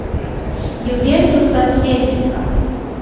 ювентус атлетико